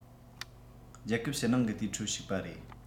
རྒྱལ ཁབ ཕྱི ནང གི དེའི ཁྲོད ཞུགས པ རེད